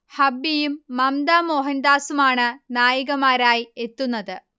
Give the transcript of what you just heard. ഹബ്ബിയും മമ്ത മോഹൻദാസുമാണ് നായികമാരായി എത്തുന്നത്